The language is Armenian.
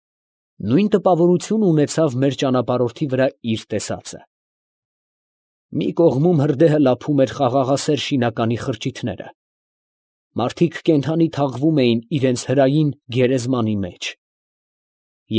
Նույն տպավորությունը ունեցավ մեր ճանապարհորդի վրա իր տեսածը։ ֊ Մի կողմում հրդեհը լափում էր խաղաղասեր շինականի խրճիթները, մարդիկ կենդանի թաղվում էին իրանց հրային գերեզմանի մեջ, և։